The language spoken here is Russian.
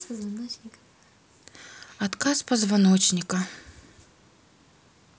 отказ позвоночника